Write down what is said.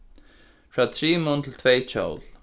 frá trimum til tvey hjól